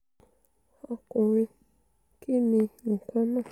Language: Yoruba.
Ọkùnrin: ''Kínni ǹkan náà?''